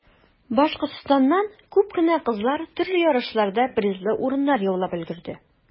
Башкортстаннан күп кенә кызлар төрле ярышларда призлы урыннар яулап өлгерде.